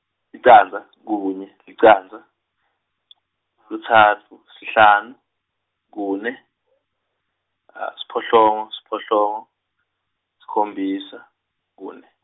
licandza kunye licandza kutsatfu sihlanu kune, siphohlongo siphohlongo, sikhombisa kune.